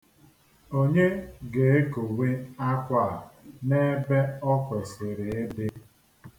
Onye ga-ekowe akwa a n'ebe ọ kwesịrị ịdị?